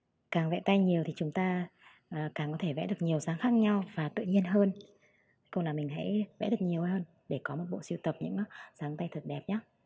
càng vẽ tay nhiều thì chúng ta càng có thể vẽ được nhiều dáng khác nhau và tự nhiên hơn vậy thì mình hãy vẽ thật nhiều hơn để có một bộ sưu tập những dáng tay thật đẹp nhé